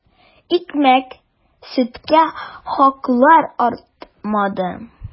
Икмәк-сөткә хаклар артмады.